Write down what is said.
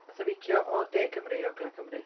Wnaeth o feicio o De Cymru i Ogledd Cymru.